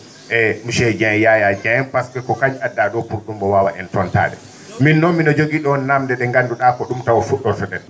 e monsieur Dieng Yaya Dieng pasque ko kañ addaa ?oo pour que mbo waawa en tontaade miin noon mi?o jogii ?oo naamnde ?e nganndu?aa ko ?um taw fu??orto ?en